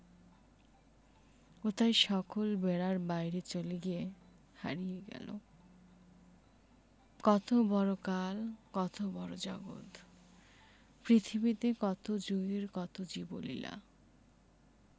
ও তাই সকল বেড়ার বাইরে চলে গিয়ে হারিয়ে গেল কত বড় কাল কত বড় জগত পৃথিবীতে কত জুগের কত জীবলীলা